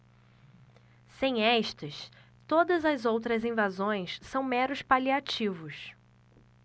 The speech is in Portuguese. sem estas todas as outras invasões são meros paliativos